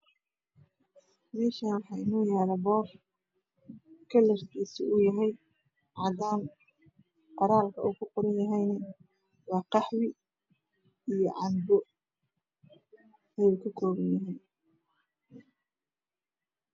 Meeshaan waxaa inooga yaal yaal boor kararkiisu yahay cadaan qoraalka uu ku qoran yahane waa khahwi iyo cambo ayuu ka kooban yahay .